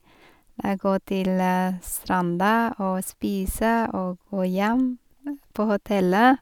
Gå til stranda og spise og gå hjem på hotellet.